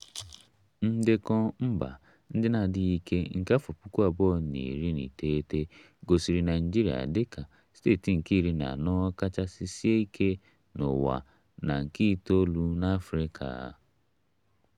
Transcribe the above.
Ndekọ Mba Ndị Na-adịghị Ike nke 2019 gosiri Naịjirịa dịka steeti nke iri na anọ kachasị sie ike n'ụwa na nke itoolu n'Africa.